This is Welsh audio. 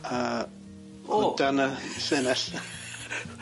Yy... O! O dan y llinell.